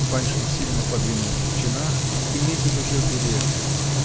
Паншин сильно подвинулся в чинах и метит уже в директоры